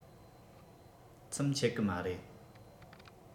མཚམས ཆད གི མ རེད